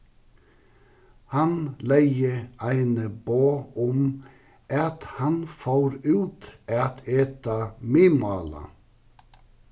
hann legði eini boð um at hann fór út at eta miðmála